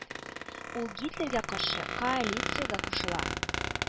Ул гитлерга каршы коалициягә кушыла.